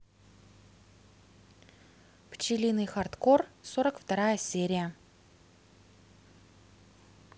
пчелиный хардкор сорок вторая серия